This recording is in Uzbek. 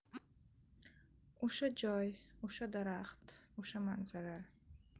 o'sha joy o'sha daraxt o'sha manzara